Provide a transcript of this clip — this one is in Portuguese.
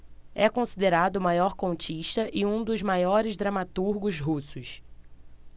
é considerado o maior contista e um dos maiores dramaturgos russos